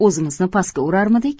o'zimizni pastga urarmidik